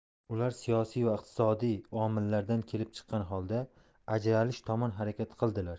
ular siyosiy va iqtisodiy omillardan kelib chiqqan holda ajralish tomon harakat qildilar